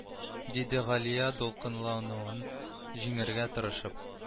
Диде галия дулкынлануын җиңәргә тырышып